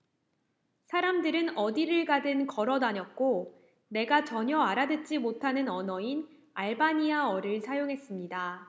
사람들은 어디를 가든 걸어 다녔고 내가 전혀 알아듣지 못하는 언어인 알바니아어를 사용했습니다